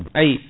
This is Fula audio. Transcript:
ayi